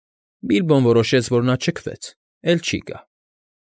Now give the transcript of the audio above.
Բիլբոն որոշեց, որ նա չքվեց, էլ չի գա։